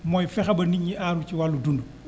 mooy fexe ba nit ñi aaru ci wàllu dund